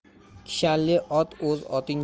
kishanli ot o'z oting